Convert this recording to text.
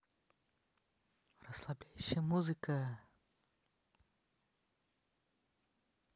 расслабляющая музыка